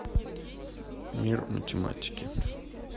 мир математики